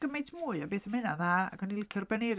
Gymaint mwy o beth a ma' hynna'n dda. Ac o'n i'n licio'r baneri...